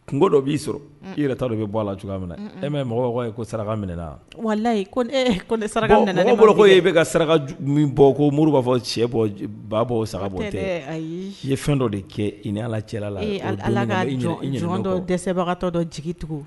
Dɔ b'i sɔrɔ i yɛrɛ ta dɔ bɛ bɔ a la cogoya minɛ na e mɔgɔ ye ko saraka minɛ walayi ko saraka boloko e bɛka ka saraka bɔ ko mori b'a fɔ cɛ bɔ baa bɔ o saga tɛ ayi ye fɛn dɔ de kɛ i ni ala cɛla la ala dɛsɛbagatɔdɔ jigi tugun